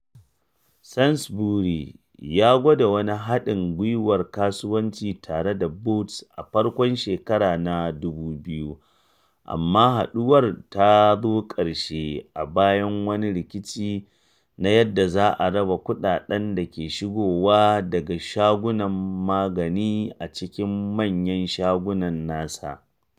Sainsbury’s ya gwada wani haɗin gwiwar kasuwanci tare da Boots a farkon shekaru na 2000, amma haɗuwar ta zo ƙarshe a bayan wani rikici na yadda za a raba kuɗaɗen da ke shigowa daga shagunan magani a cikin manyan shagunan nasa.